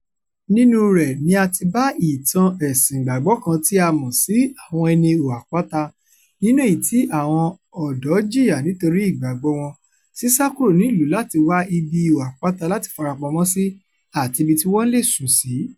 Nínúu rẹ̀ ni a ti bá ìtàn Ẹ̀sìn ìgbàgbọ́ kan tí a mọ̀ sí "Àwọn ẹni Ihò-àpáta", nínú èyí tí àwọn ọ̀dọ́ jìyà nítorí ìgbàgbọ́ọ wọ́n, sísà kúrò nílùú láti wá ibí ihò-àpáta láti farapamọ́ sí àti ibi tí wọ́n lè sùn sí.